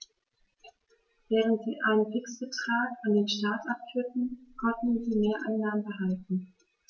Während sie einen Fixbetrag an den Staat abführten, konnten sie Mehreinnahmen behalten.